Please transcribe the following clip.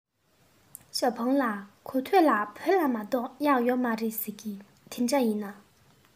ཞའོ ཧྥུང ལགས གོ ཐོས ལ བོད ལྗོངས མ གཏོགས གཡག ཡོད མ རེད ཟེར གྱིས དེ འདྲ ཡིན ན